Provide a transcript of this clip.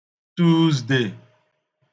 Tuuzde